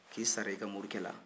ki i sara i ka morikɛ la